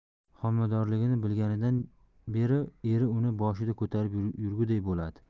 homiladorligini bilganidan beri eri uni boshida ko'tarib yurguday bo'ladi